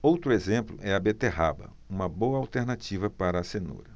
outro exemplo é a beterraba uma boa alternativa para a cenoura